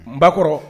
N ba kɔrɔ